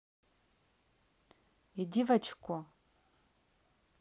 иди в очко